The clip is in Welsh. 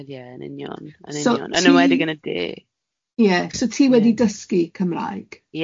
Wel ie yn union yn union... So ti. ...yn enwedig yn y de. Ie so ti wedi dysgu Cymrag?